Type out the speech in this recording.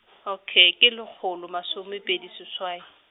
okay, ke lekgolo masomepedi seswai .